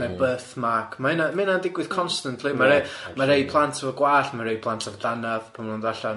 Ne' birthmark, ma' hynna ma' hynna'n digwydd constantly ma' rai- ma' rai plant efo gwallt ma' rai plant efo dannadd pan ma' nhw'n dod allan.